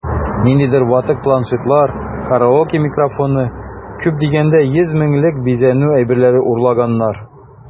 Ниндидер ватык планшетлар, караоке микрофоны(!), күп дигәндә 100 меңлек бизәнү әйберләре урлаганнар...